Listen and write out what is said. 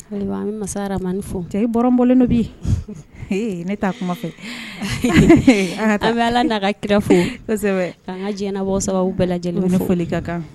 An bi masa ramani fɔ. Cɛ e bɔrɔn bɔlen don bi. Ehee ne ta kuma fɛ. An bi Ala na ka kira fo. Kɔsɛbɛ . Ka an ka diɲɛ labɔ sababu bɛɛ lajɛlen fo. U ni foli ka kan.